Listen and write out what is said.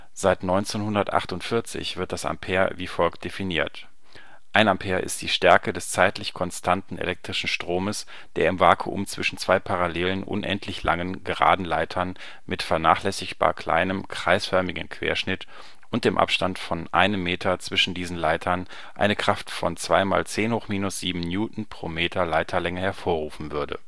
Seit 1948 wird das Ampere wie folgt definiert: 1 A ist die Stärke des zeitlich konstanten elektrischen Stromes, der im Vakuum zwischen zwei parallelen, unendlich langen, geraden Leitern mit vernachlässigbar kleinem, kreisförmigem Querschnitt und dem Abstand von 1 m zwischen diesen Leitern eine Kraft von 2·10−7 Newton pro Meter Leiterlänge hervorrufen würde